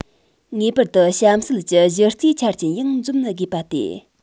ངེས པར དུ གཤམ གསལ གྱི གཞི རྩའི ཆ རྐྱེན ཡང འཛོམ དགོས པ སྟེ